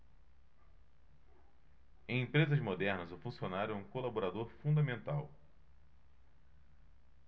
em empresas modernas o funcionário é um colaborador fundamental